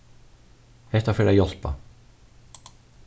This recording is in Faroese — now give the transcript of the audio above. hetta fer at hjálpa